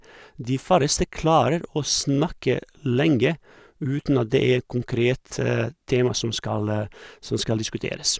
De færreste klarer å snakke lenge uten at det er en konkret tema som skal som skal diskuteres.